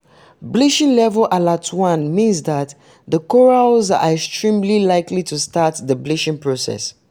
Bleaching Level Alert One means that the corals are extremely likely to start the bleaching process.